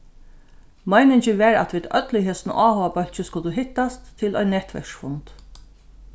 meiningin var at vit øll í hesum áhugabólki skuldu hittast til ein netverksfund